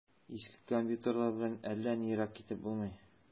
Иске компьютерлар белән әллә ни ерак китеп булмый.